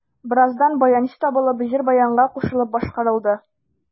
Бераздан баянчы табылып, җыр баянга кушылып башкарылды.